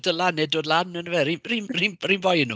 Dylan neu dod lan yn dyfe. Yr un yr un yr un yr un boi y' nhw.